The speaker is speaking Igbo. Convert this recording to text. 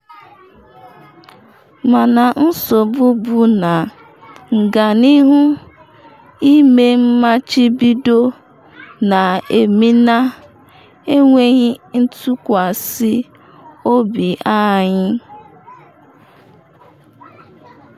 Mana nsogbu bụ na ịganihu eme machibido na-emina enweghị ntụkwasị obi anyị.”